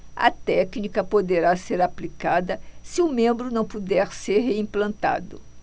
a técnica poderá ser aplicada se o membro não puder ser reimplantado